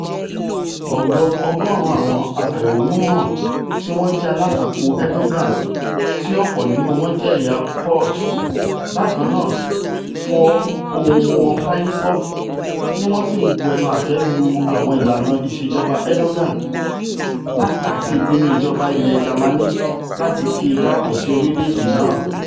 Ọgọ-ọgọ́ọ̀rún àwọn afẹ̀hónúhàn tíwọ́n jẹ́ alátakò Erdogan - tí ọ̀pọ̀ nínú wọn jẹ ẹ̀yà Kurd - bákannáà fọ ohùn wọn fáyé gbọ́, tíwọn sì ńbu ẹnu atẹ́ lu àwọn ìlànà ìṣejọba Erdogan àti ìpinnu ìjọba ilẹ̀ Jamani láti kì i káàbọ sí orílẹ̀-èdè náà.